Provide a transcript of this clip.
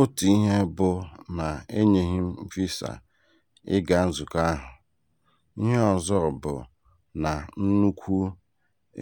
Otu ihe bụ na enyeghị m visa ịga nzukọ ahụ, ihe ọzọ bụ na nnukwu